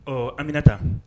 Ɔ an bɛ taa